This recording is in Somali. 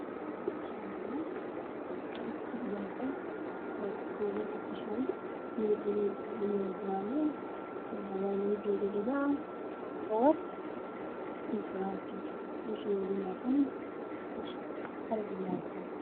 Waa ka tiirarmidabkeedu yahay dahabi oo saaran miis caddaan waana dhegada